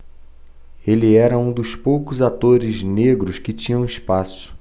ele era um dos poucos atores negros que tinham espaço